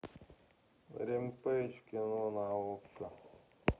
рэмпейдж кино на окко